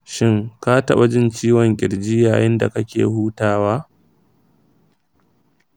shin ka taɓa jin ciwon ƙirji yayin da kake hutawa?